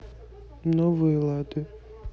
новые лады